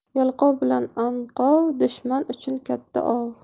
yalqov bilan anqov dushman uchun katta ov